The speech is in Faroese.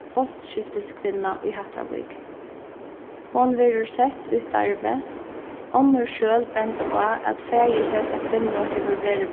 postskiftiskvinna í hattarvík hon verður sett í starvið onnur skjøl benda á at faðir hesa kvinnu hevur verið